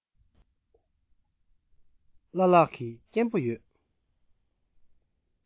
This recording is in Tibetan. བླ ལྷག གིས སྐྱེན པོ ཡོད